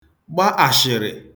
gba àshị̀rị̀